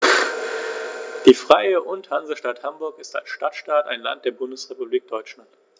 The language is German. Die Freie und Hansestadt Hamburg ist als Stadtstaat ein Land der Bundesrepublik Deutschland.